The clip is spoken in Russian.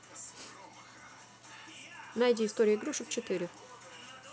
найди история игрушек четыре